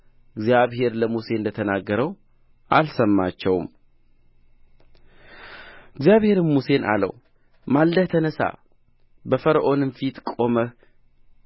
እግዚአብሔር ለሙሴ እንደተናገረው አልሰማቸውም እግዚአብሔርም ሙሴን አለው ማልደህ ተነሣ በፈርኦንም ፊት ቆመህ